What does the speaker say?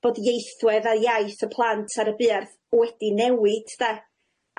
bod ieithwedd a iaith y plant ar y buarth wedi newid de?